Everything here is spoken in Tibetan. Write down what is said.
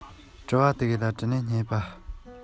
ཐག རིང གི ས ན བརྗིད ཉམས ཆེ ལ